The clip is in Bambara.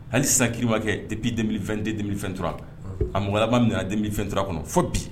Hali sisan kiri ma kɛ depuis 2022-2023 a mɔgɔ laban min minɛna 2023 kɔnɔ fo bi .